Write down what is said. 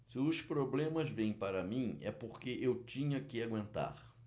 se os problemas vêm para mim é porque eu tinha que aguentar